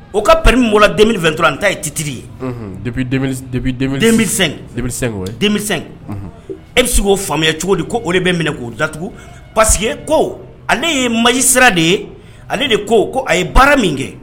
O ka permi dun bɔra depuis 2023 nin ta dun ye tire ye depuis 2005; 2005 e bɛ se k'o faamuya cogo di? ko o de bɛ k'o datuku ko parce que ko ale ye magistrat ye, ale ko a ye baara min kɛ